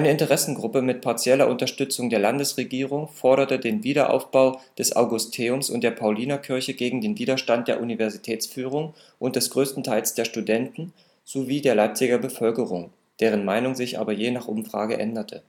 Interessengruppe mit partieller Unterstützung der Landesregierung forderte den Wiederaufbau des Augusteums und der Paulinerkirche gegen den Widerstand der Universitätsführung und des größten Teils der Studenten sowie der Leipziger Bevölkerung (deren Meinung sich aber je nach Umfrage änderte